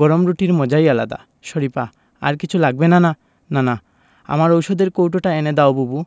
গরম রুটির মজাই আলাদা শরিফা আর কিছু লাগবে নানা নানা আমার ঔষধের কৌটোটা এনে দাও বুবু